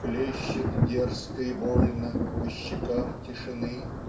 Хлещет дерзко и больно По щекам тишины.